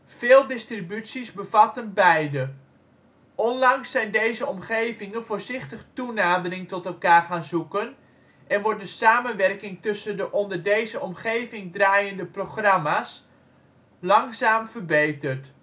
veel distributies bevatten beide. Onlangs zijn deze omgevingen voorzichtig toenadering tot elkaar gaan zoeken en wordt de samenwerking tussen de onder deze omgevingen draaiende programma 's langzaam verbeterd